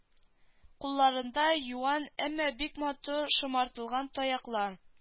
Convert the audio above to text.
Кулларында юан әмма бик матур шомартылган таяклар